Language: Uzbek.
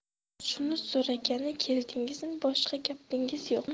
shuni so'ragani keldingizmi boshqa gapingiz yo'qmi